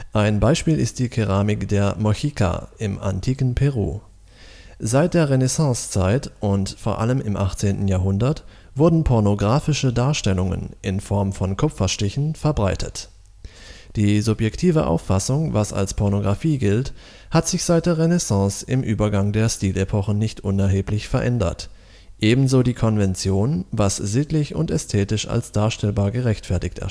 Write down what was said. ein Beispiel ist die Keramik der Mochica im antiken Peru. Seit der Renaissancezeit und vor allem im 18. Jahrhundert wurden „ pornografische “Darstellungen in Form von Kupferstichen verbreitet. Die subjektive Auffassung, was als Pornografie gilt, hat sich seit der Renaissance im Übergang der Stil-Epochen nicht unerheblich verändert, ebenso die Konvention, was sittlich und ästhetisch als darstellbar gerechtfertigt